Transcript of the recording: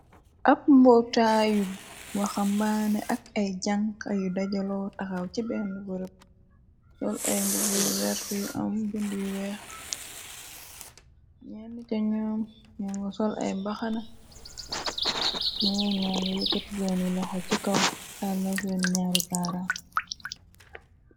Ab mbootaayu waxa mbaane ak ay jànkayu dajaloo taxaw ci benn bërob sol ay mbu buy werr yu am bind yu weex ñenn te ñoo ñoo nga sol ay mbaxana n ñg yekkt seenyi laxo ci kaw tàllaseen ñaari baara.